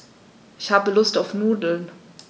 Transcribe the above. Ich habe Lust auf Nudeln.